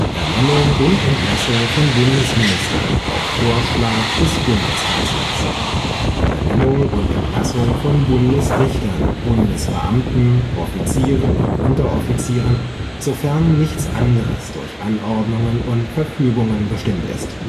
Ernennung und Entlassung von Bundesministern auf Vorschlag des Bundeskanzlers, Ernennung und Entlassung von Bundesrichtern, Bundesbeamten, Offizieren und Unteroffizieren, sofern nichts anderes durch Anordnungen und Verfügungen bestimmt ist